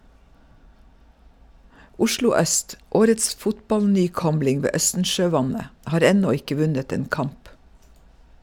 Oslo Øst - årets fotballnykomling ved Østensjøvannet - har ennå ikke vunnet en kamp.